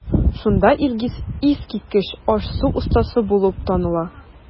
Шунда Илгиз искиткеч аш-су остасы булып таныла.